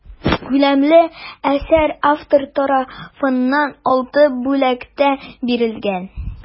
Күләмле әсәр автор тарафыннан алты бүлектә бирелгән.